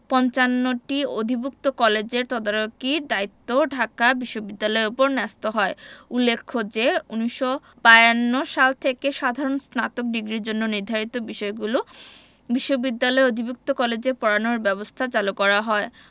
৫৫টি অধিভুক্ত কলেজের তদারকির দায়িত্বও ঢাকা বিশ্ববিদ্যালয়ের ওপর ন্যস্ত হয় উল্লেখ্য যে ১৯৫২ সাল থেকে সাধারণ স্নাতক ডিগ্রির জন্য নির্ধারিত বিষয়গুলো বিশ্ববিদ্যালয়ের অধিভুক্ত কলেজে পড়ানোর ব্যবস্থা চালু করা হয়